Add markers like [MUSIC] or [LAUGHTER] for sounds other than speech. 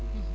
[HESITATION] [HESITATION]